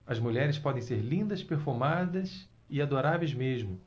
as mulheres podem ser lindas perfumadas e adoráveis mesmo